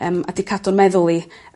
Yym a 'di cadw'n meddwl i